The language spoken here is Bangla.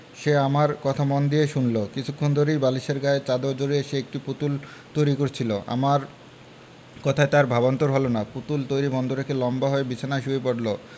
সে আমার কথা মন দিয়ে শুনলো কিছুক্ষণ ধরেই বালিশের গায়ে চাদর জড়িয়ে সে একটা পুতুল তৈরি করছিলো আমার কথায় তার ভাবান্তর হলো না পুতুল তৈরী বন্ধ রেখে লম্বা হয়ে বিছানায় শুয়ে পড়লো